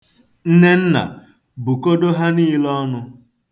Nnenna, bukọdo ha niile ọnụ.